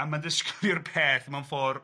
a mae'n ddisgwylio'r peth mewn ffordd-